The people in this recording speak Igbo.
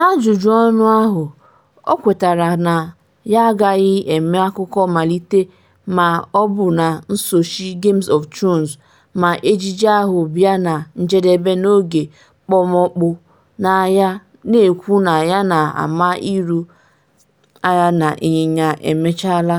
N’ajụjụ ọnụ ahụ ọ kwetara na ya agaghị eme akụkọ mmalite ma ọ bụ nke nsochi Game of Thrones ma ejije ahụ bịa na njedebe n’oge okpomọkụ na-abịa, na-ekwu na ya na ama ịlụ agha na ịnyịnya emechela’.